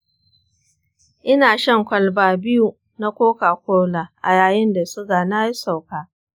ina shan kwalba biyu na kokakola a yayin da suga na ya sauka.